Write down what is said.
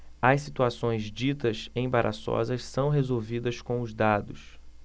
as situações ditas embaraçosas são resolvidas com os dados